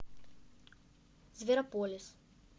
зверополис